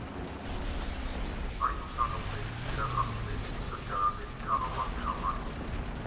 Այն ուսանողների, գրախանութների ու սրճարանների թաղամաս է համարվում։